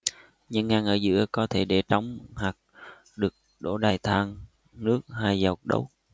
những ngăn ở giữa có thể để trống hoặc được đổ đầy than nước hay dầu đốt